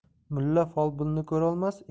mulla folbinni ko'rolmas